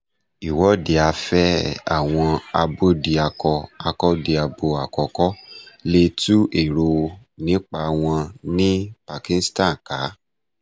Ìwọ́de afẹ́ àwọn abódiakọ-akọ́diabo àkọ́kọ́ lè tú èrò nípa wọn ní Pakístánì ká